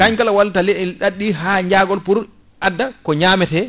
kañum kala wallata ley ɗaɗi ɗi ha jaagol pour adda ko ñamate